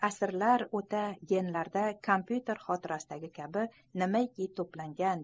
asrlar o'ta genlarda komp'yuter xotirasidagi kabi nimaiki to'plangan